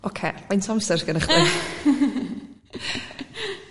Oce faint amser sgyna chdi?